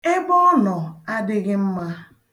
Ebe ọ nọ adịghị mma.